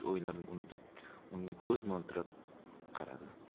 o'ylarini unutib unga ko'zi mo'ltirab qaradi